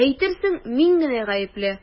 Әйтерсең мин генә гаепле!